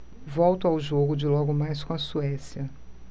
volto ao jogo de logo mais com a suécia